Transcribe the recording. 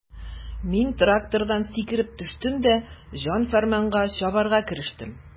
Мин трактордан сикереп төштем дә җан-фәрманга чабарга керештем.